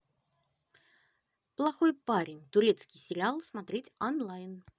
плохой парень турецкий сериал смотреть онлайн